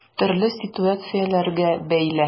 Төрле ситуацияләргә бәйле.